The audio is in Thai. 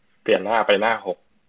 เปลี่ยนหน้าไปหน้าหก